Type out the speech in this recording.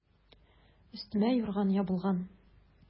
Өстемә юрган ябылган.